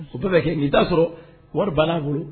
O sugu na kɛ i bi ta sɔrɔ wari bana bolo